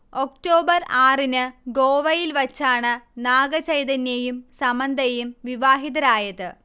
October ആറിന് ഗോവയിൽ വച്ചാണ് നാഗചൈതന്യയും സമന്തയും വിവാഹിതരായത്